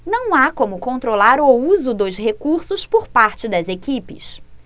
não há como controlar o uso dos recursos por parte das equipes